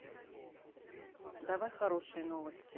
давай хорошие новости